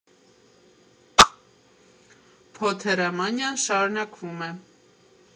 Փոթերամանիան շարունակվում է.